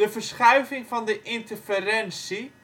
verschuiving van de interferentie